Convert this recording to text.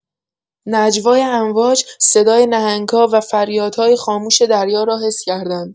نجوای امواج، صدای نهنگ‌ها، و فریادهای خاموش دریا را حس کردند.